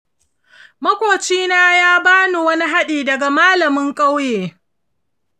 maƙoci na ya bani wani haɗi daga malamin ƙauyen.